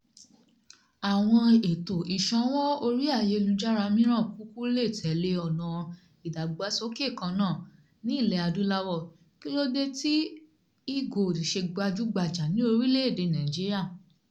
Àwọn ètò ìṣanwó orí ayélujára mìíràn kúkú lè tẹ̀lé ọ̀nà ìdàgbàsókè kan náà, ní ilẹ̀ Adúláwọ̀: Kílódé tí e-gold ṣe gbajúgbajà ní orílẹ̀-èdè Nigeria?